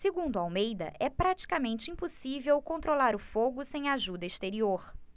segundo almeida é praticamente impossível controlar o fogo sem ajuda exterior